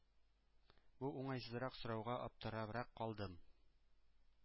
Бу уңайсызрак сорауга аптырабрак калдым.